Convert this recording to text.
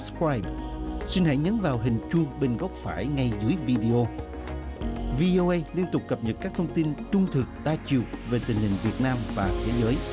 khoai xin hãy nhấn vào hình chuông bên góc phải ngay dưới vi đi ô vi âu ây liên tục cập nhật các thông tin trung thực đa chiều về tình hình việt nam và thế giới